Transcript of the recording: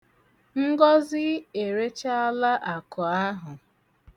Ngọzị erechaala akụ ahụ.